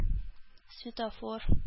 Светофор